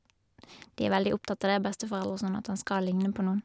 De er veldig opptatt av det, besteforeldre og sånn, at han skal ligne på noen.